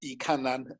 i Canan